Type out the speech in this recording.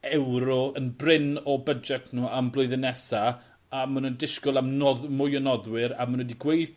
ewro yn brin o budjet n'w am blwyddyn nesa a ma' nw'n disgwl am nodd- mwy o noddwyr a ma' n'w 'di gweud